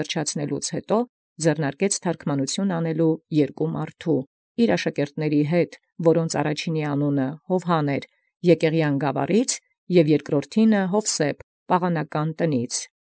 Յանկուցեալ, ի թարգմանութիւն դառնային հանդերձ արամբք երկուք, աշակերտաւքն իւրովք. որոց առաջնոյն Յովհան անուն կոչէին, յԵկեղեաց գաւառէն, և երկրորդին Յովսէփ անուն՝ ի Պաղանական տանէն։